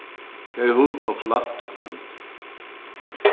eg havi hug til okkurt lætt í kvøld